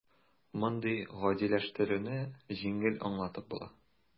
Мондый "гадиләштерү"не җиңел аңлатып була: